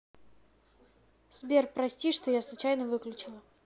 сбер прости что я тебя случайно выключила